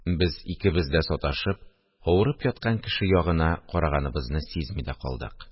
Без икебез дә саташып, авырып яткан кеше ягына караганыбызны сизми дә калдык